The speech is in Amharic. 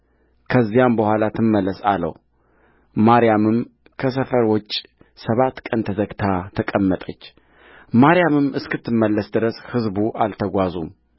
ከዚያም በኋላ ትመለስ አለውማርያምም ከሰፈር ውጭ ሰባት ቀን ተዘግታ ተቀመጠች ማርያምም እስክትመለስ ድረስ ሕዝቡ አልተጓዙም